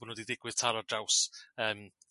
n'w wedi digwydd taro draws yym